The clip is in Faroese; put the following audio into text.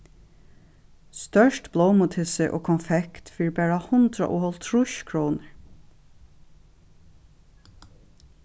stórt blómutyssi og konfekt fyri bara hundrað og hálvtrýss krónur